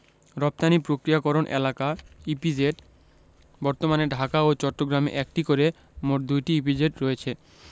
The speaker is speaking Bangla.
রপ্তানি প্রক্রিয়াকরণ এলাকাঃ ইপিজেড বর্তমানে ঢাকা ও চট্টগ্রামে একটি করে মোট ২টি ইপিজেড রয়েছে